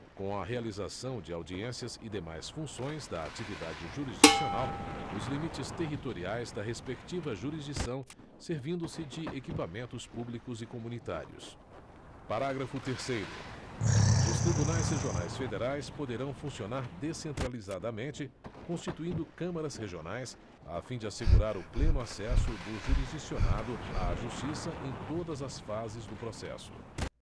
com a realização de audiências e demais funções da atividade jurisdicional nos limites territoriais da respectiva jurisdição servindo se de equipamentos públicos e comunitários parágrafo terceiro os tribunais regionais federais poderão funcionar descentralizadamente constituindo câmaras regionais a fim de assegurar o pleno acesso do jurisdicionado à justiça em todas as fases do processo